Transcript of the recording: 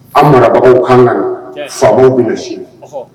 An marabagaw kan kan faama bɛ sini